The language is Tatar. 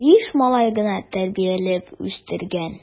Биш малай гына тәрбияләп үстергән!